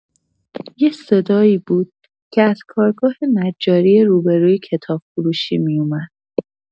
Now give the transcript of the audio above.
یه صدایی بود که از کارگاه نجاری روبه‌روی کتاب‌فروشی می‌اومد.